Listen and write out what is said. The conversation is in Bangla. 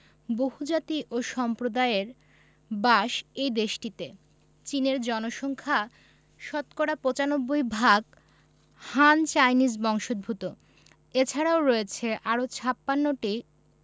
বহুজাতি ও সম্প্রদায়ের বাস এ দেশটিতে চীনের জনসংখ্যা শতকরা ৯৫ ভাগ হান চাইনিজ বংশোদভূত এছারাও রয়েছে আরও ৫৬ টি